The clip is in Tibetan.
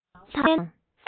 འཆལ ཡན དང